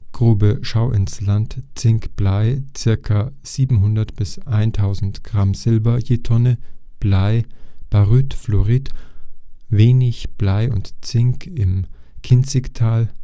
Grube Schauinsland: Zink, Blei, circa 700 – 1000 g Silber/Tonne Blei; Baryt, Fluorit, wenig Blei und Zink im Kinzigtal